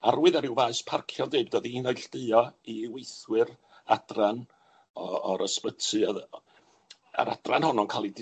Arwydd ar ryw faes parcio'n deud o'dd i neilltuo i weithwyr adran o o'r ysbyty o'dd yy a'r adran honno'n ca'l 'i